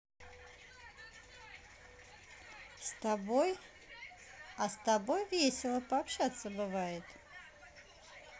с тобой а с тобой весело пообщаться бывает